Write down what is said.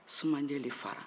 sumanjɛ le fara